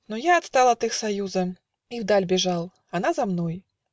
Но я отстал от их союза И вдаль бежал. Она за мной.